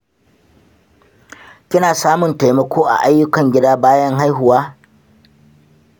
kina samun taimako a ayyukan gida bayan haihuwa?